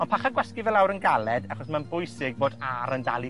ond pach a gwasgu fe lawr yn galed, achos ma'n bwysig bod a'r yn dal i